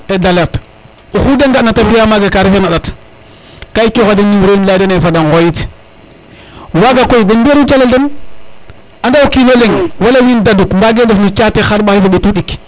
et d' alerte oxu de ngana te fiya maga ka referna a ndat ka i coxa den numero in leya dene fada ŋoyit waga koy den mbiyeru calel den anda ye o kino leŋ wala wiin daduk mbage ndef no caate xarɓaxay fo ɓetu ɗik